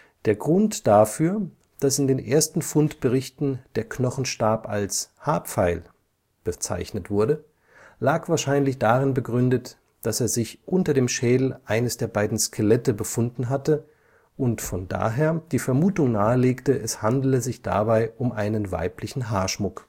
Der Grund dafür, dass in den ersten Fundberichten der Knochenstab als „ Haarpfeil “bezeichnet wurde, lag wahrscheinlich darin begründet, dass er sich unter dem Schädel eines der beiden Skelette befunden hatte und von daher die Vermutung nahelegte, es handele sich dabei um einen weiblichen Haarschmuck